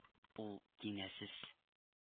Ул кинәсез